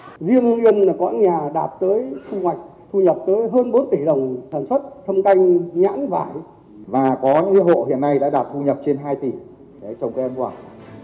riêng hưng yên là có nhà đạt tới thu hoạch thu nhập tới hơn bốn tỷ đồng sản xuất thâm canh nhãn vải và có những hộ hiện nay đã đạt thu nhập trên hai tỷ đấy trồng cây ăn quả